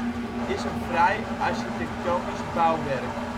is een fraai architectonisch bouwwerk